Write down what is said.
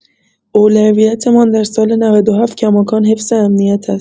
اولویت‌مان در سال ۹۷ کماکان حفظ امنیت است.